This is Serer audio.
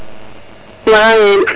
maxey men